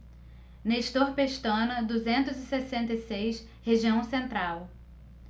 nestor pestana duzentos e sessenta e seis região central